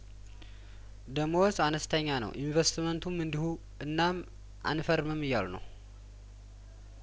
ደሞዝ አነስተኛ ነው ኢንቨስትመንቱም እንዲሁ እናም አንፈርምም እያሉ ነው